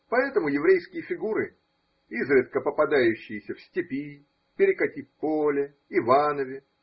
поэтому еврейские фигуры, изредка по падающиеся в Степи, Перекати-поле. Иванове.